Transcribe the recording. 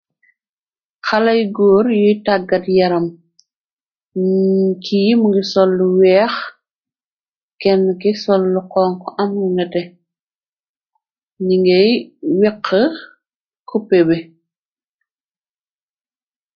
Xalay yu góor yuy tàggat yaram cii mungi sollu weex kenn ki sollu xonku am lu nete nyu geh weqa cupe bi.